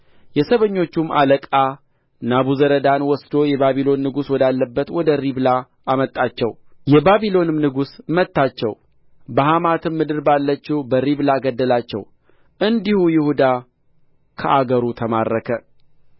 የዘበኞቹም አለቃ ናቡዘረዳን ወስዶ የባቢሎን ንጉሥ ወዳለበት ወደ ሪብላ አመጣቸው የባቢሎንም ንጉሥ መታቸው በሐማትም ምድር ባለችው በሪብላ ገደላቸው እንዲሁ ይሁዳ ከአገሩ ተማረከ